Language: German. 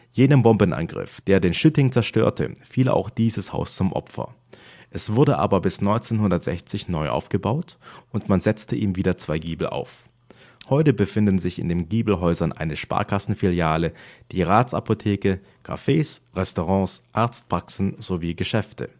Jenem Bombenangriff, der den Schütting zerstörte, fiel auch dieses Haus zum Opfer. Es wurde aber bis 1960 neu aufgebaut, und man setzte ihm wieder zwei Giebel auf. Heute befinden sich in den Giebelhäusern eine Sparkassenfiliale, die Rathsapotheke, Cafés, Restaurants, Arztpraxen sowie Geschäfte